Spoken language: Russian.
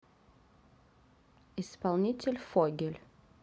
исполнитель фогель